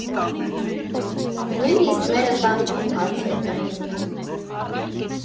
Նույնիսկ մեր ընտանիքում հարցեր կային։